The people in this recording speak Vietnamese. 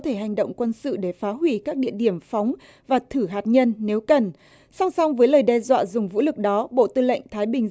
thể hành động quân sự để phá hủy các địa điểm phóng và thử hạt nhân nếu cần song song với lời đe dọa dùng vũ lực đó bộ tư lệnh thái bình